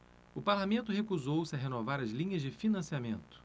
o parlamento recusou-se a renovar as linhas de financiamento